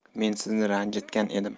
men sizni ranjitgan edim